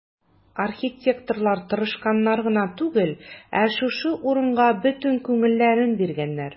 Архитекторлар тырышканнар гына түгел, ә шушы урынга бөтен күңелләрен биргәннәр.